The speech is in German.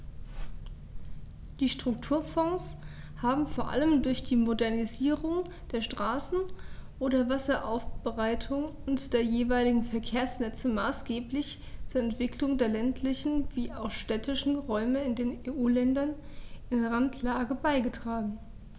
Die Strukturfonds haben vor allem durch die Modernisierung der Straßen, der Wasseraufbereitung und der jeweiligen Verkehrsnetze maßgeblich zur Entwicklung der ländlichen wie auch städtischen Räume in den EU-Ländern in Randlage beigetragen.